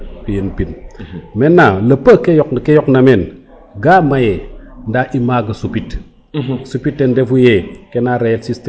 yenpin maintenant le peu ke yoq na yoq na meen ga maye nda i mbaga supit supit ten refu ye ke na leyel